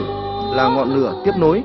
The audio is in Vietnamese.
là ngọn lửa tiếp nối